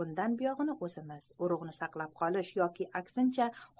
bundan buyog'ini o'zimiz urug'ni saqlab qolish yoki aksincha